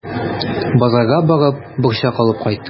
Базарга барып, борчак алып кайт.